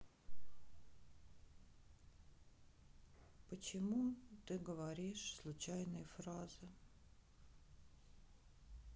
почему ты говоришь случайные фразы